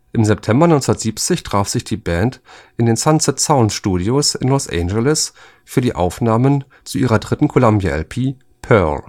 Im September 1970 traf sich die Band in den Sunset Sound Studios in Los Angeles für die Aufnahmen zu ihrer dritten Columbia-LP, Pearl